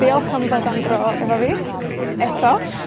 Diolch am ddod am dro efo fi, eto.